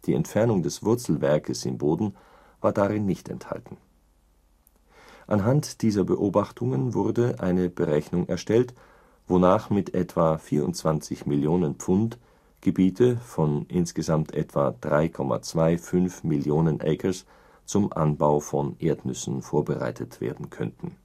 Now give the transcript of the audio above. Entfernung des Wurzelwerkes im Boden war darin nicht enthalten. Anhand dieser Beobachtungen wurde eine Berechnung erstellt, wonach mit etwa 24 Millionen Pfund Gebiete von insgesamt etwa 3,25 Millionen Acres zum Anbau von Erdnüssen vorbereitet werden könnten